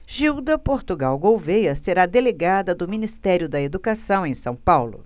gilda portugal gouvêa será delegada do ministério da educação em são paulo